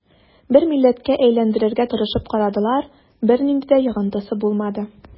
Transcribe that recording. Бер милләткә әйләндерергә тырышып карадылар, бернинди дә йогынтысы булмады.